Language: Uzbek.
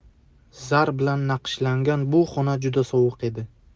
zar bilan naqshlangan bu xona juda sovuq edi